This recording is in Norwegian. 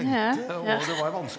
ja ja.